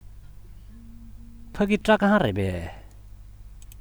ཕ གི སྐྲ ཁང རེད པས